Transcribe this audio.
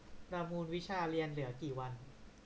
ประมูลวิชาเรียนเหลือกี่วัน